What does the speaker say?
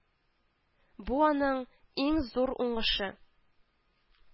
Бу – аның иң зур уңышы